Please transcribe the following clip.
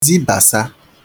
zibàsa